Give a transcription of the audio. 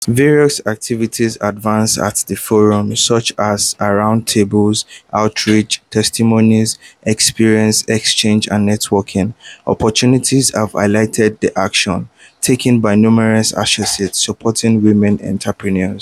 Various activities advanced at the forum, such as round tables, outreach testimonies, experience exchanges and networking opportunities have highlighted the actions taken by numerous associations supporting women entrepreneurs.